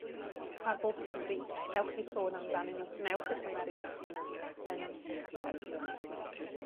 ar bob cyfri ewch i sôn amdanyn nw. Gwnewch y cymariaethe 'na yn 'ych atebion chi.